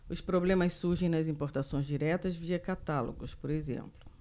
os problemas surgem nas importações diretas via catálogos por exemplo